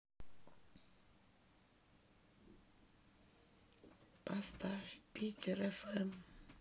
поставь питер фм